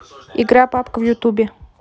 игра папка в ютубе